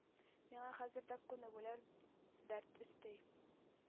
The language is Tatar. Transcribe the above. Миңа хәзер дә күнегүләр дәрт өсти,